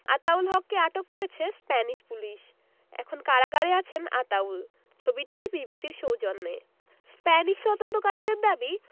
আতাউল হককে আটক করেছে স্প্যানিশ পুলিশ এখন কারাগারে আছেন আতাউল ছবিটি বিবিসির সৌজন্যে স্প্যানিশ তদন্তকারীদের দাবি